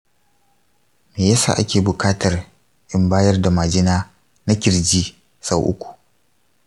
me yasa ake bukatar in bayar da majina na kirji sau uku?